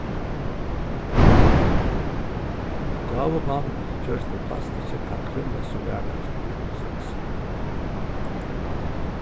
gávuband gjørt úr plastikki kann krúllast so vakurt við einum saksi